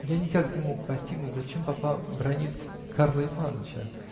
Я никак не мог постигнуть, зачем папа бранит Карпа Иваныча.